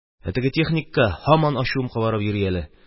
Ә теге техникка һаман ачуым кабарып йөри әле.